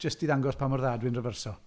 Jyst i ddangos pa mor dda dwi'n rifyrso.